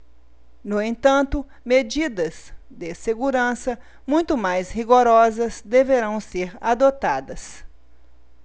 no entanto medidas de segurança muito mais rigorosas deverão ser adotadas